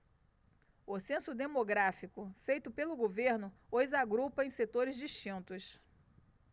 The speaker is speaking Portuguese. o censo demográfico feito pelo governo os agrupa em setores distintos